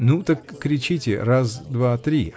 -- Ну так кричите: раз, два, три!